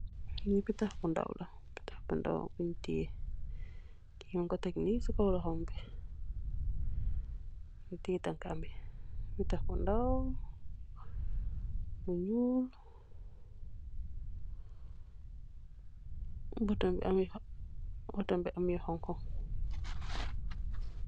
Li pitah Bu ndaw la. Pitah Bu ndaw bunj teyeh kii mung koh tek nee si kaw lohom bi. Nyu teyeh takaam bhi. Pitah Bu ndaaw Bu nyul, botaam yee am yuu hunha .